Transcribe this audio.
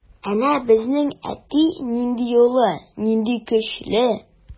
Әнә безнең әти нинди олы, нинди көчле.